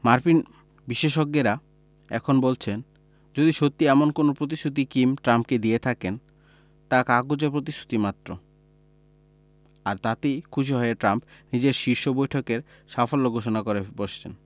মার্কিন বিশেষজ্ঞেরা এখন বলছেন যদি সত্যি এমন কোনো প্রতিশ্রুতি কিম ট্রাম্পকে দিয়ে থাকেন তা কাগুজে প্রতিশ্রুতিমাত্র আর তাতেই খুশি হয়ে ট্রাম্প নিজের শীর্ষ বৈঠকের সাফল্য ঘোষণা করে বসসেন